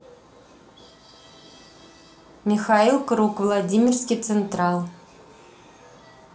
михаил круг владимирский централ